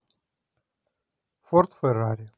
форд феррари